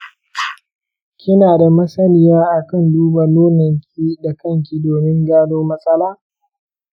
kina da masaniya akan duba nononki da kanki domin gano matsala?